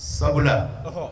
Sabula